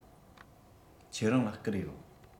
ཁྱེད རང ལ བསྐུར ཡོད